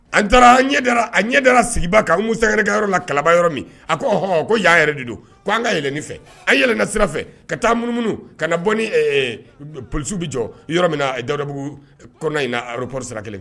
An taara ɲɛ ɲɛdara sigiba kan an sɛgɛngɛrɛkɛyɔrɔ yɔrɔ la kalaba yɔrɔ min ahɔ ko y'a yɛrɛ de don ko an kaɛlɛn ne fɛ anɛlɛn ka sira fɛ ka taaumunu ka na bɔ ni polisiw bɛ jɔ yɔrɔ min dabugu kɔnɔna in polisira kelen